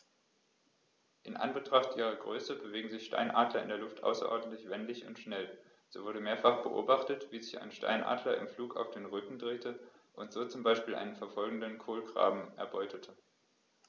In Anbetracht ihrer Größe bewegen sich Steinadler in der Luft außerordentlich wendig und schnell, so wurde mehrfach beobachtet, wie sich ein Steinadler im Flug auf den Rücken drehte und so zum Beispiel einen verfolgenden Kolkraben erbeutete.